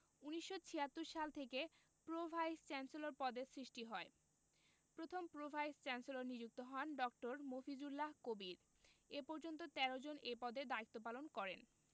১৯৭৬ সাল থেকে pro vice chancellor পদ সৃষ্টি করা হয় প্রথম প্রো ভাইস চ্যান্সেলর নিযুক্ত হন ড. মফিজুল্লাহ কবির এ পর্যন্ত ১৩ জন এ পদে দায়িত্বপালন করেন